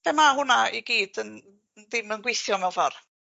Lle ma' hwnna i gyd yn dim yn gweithio mewn ffor?